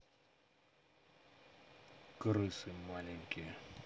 крысы маленькие